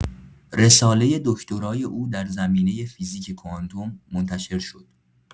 رساله دکترای او در زمینه فیزیک کوانتوم منتشر شد.